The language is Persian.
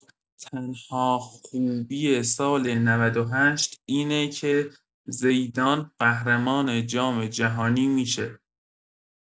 تنها خوبی سال ۹۸ اینه که زیدان قهرمان جام‌جهانی می‌شه.